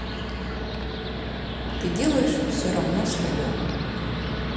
ты делаешь все равно свое